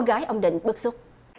gái ông định bức xúc